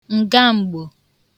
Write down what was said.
ǹgam̀gbò